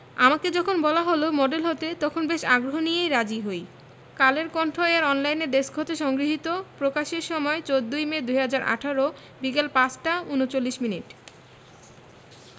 আমাকে যখন বলা হলো মডেল হতে তখন বেশ আগ্রহ নিয়েই রাজি হই কালের কণ্ঠ এর অনলাইনে ডেস্ক হতে সংগৃহীত প্রকাশের সময় ১৪ ই মে ২০১৮ বিকেল ৫টা ৩৯ মিনিট